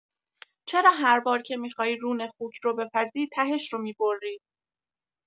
چرا هربار که می‌خوای رون خوک رو بپزی تهش رو می‌بری؟